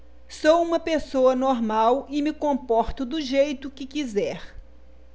sou homossexual e me comporto do jeito que quiser